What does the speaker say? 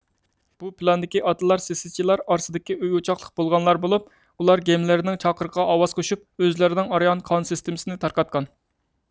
بۇ پىلاندىكى ئاتىلار سىسىچىلار ئارىسىدىكى ئۆي ئوچاقلىق بولغانلار بولۇپ ئۇلار گېملېرنىڭ چاقىرىقىغا ئاۋاز قوشۇپ ئۆزلىرىنىڭ ئارىئان قان سىستېمىسىنى تارقاتقان